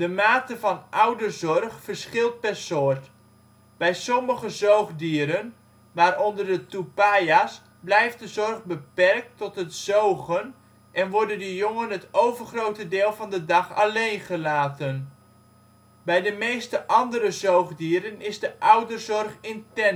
mate van ouderzorg verschilt per soort. Bij sommige zoogdieren, waaronder de toepaja 's, blijft de zorg beperkt tot het zogen, en worden de jongen het overgrote deel van de dag alleen gelaten. Bij de meeste andere zoogdieren is de ouderzorg intenser